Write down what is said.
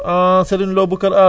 Serigne Lo waaw